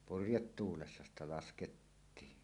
purjetuulessa sitä laskettiin